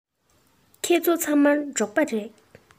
ཁྱེད ཚོ ཚང མ འབྲོག པ རེད